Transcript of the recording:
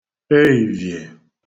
eìvè